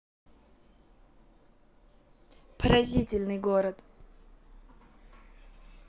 поразительный город